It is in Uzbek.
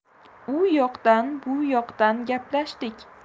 u yoqdan bu yoqdan gaplashdek